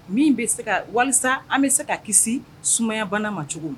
Min bɛ se ka wali an bɛ se ka kisi sumayabana ma cogo